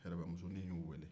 yɛrɛbɛmusonin y'u wele